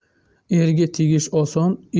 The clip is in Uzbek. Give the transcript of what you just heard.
erga tegish oson